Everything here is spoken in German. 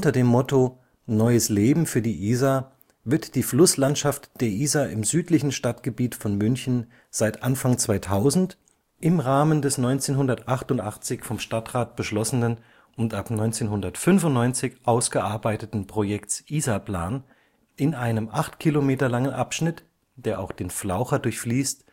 dem Motto „ Neues Leben für die Isar “wird die Flusslandschaft der Isar im südlichen Stadtgebiet von München seit Anfang 2000 im Rahmen des 1988 vom Stadtrat beschlossenen und ab 1995 ausgearbeiteten Projekts Isar-Plan in einem acht Kilometer langen Abschnitt, der auch den Flaucher durchfließt